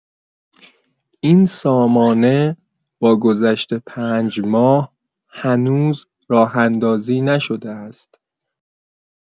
این سامانه با گذشت ۵ ماه، هنوز راه‌اندازی نشده است.